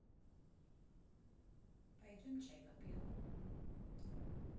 пойдем чай попьем